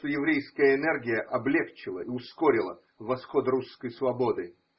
что еврейская энергия облегчила и ускорила восход русской свободы?